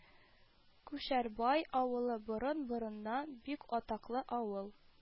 Күчәрбай авылы борын-борыннан бик атаклы авыл